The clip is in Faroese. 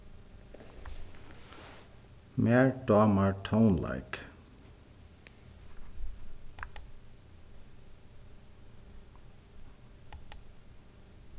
mær dámar tónleik